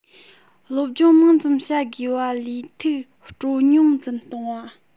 སློབ སྦྱོང མང ཙམ བྱ དགོས པ ལས ཐུགས སྤྲོ ཉུང ཙམ གཏོང བ